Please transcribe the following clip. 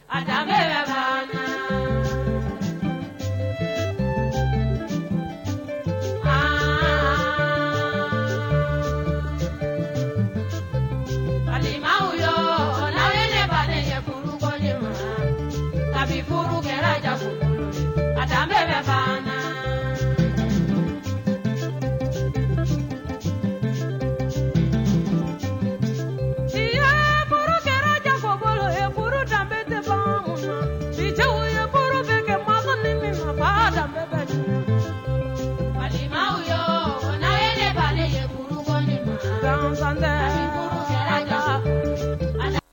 Da bɛ ba faama fa yo lajɛ kuru ta kuru kɛra ja da bɛ faama jigi kuru kɛra jago kolo kuru danbe faamajugugo ye kuru bɛ kɛ wa yo la fajɛ kuru ma